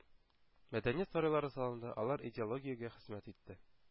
Мәдәният сарайлары салынды, алар идеологиягә хезмәт итте.